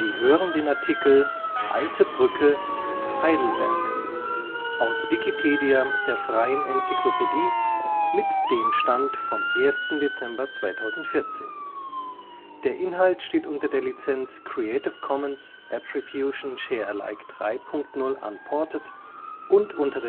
hören den Artikel Alte Brücke (Heidelberg), aus Wikipedia, der freien Enzyklopädie. Mit dem Stand vom Der Inhalt steht unter der Lizenz Creative Commons Attribution Share Alike 3 Punkt 0 Unported und unter